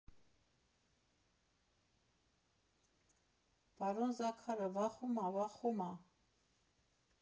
Պարոն Զաքարը վախում ա, վախում ա։